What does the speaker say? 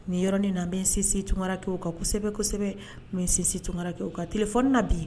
Nin yɔrɔnin na n bɛ sinsin tunkarake u kan kosɛbɛ kosɛbɛ n bɛ sinsin tunkarakew kan telephone . na bi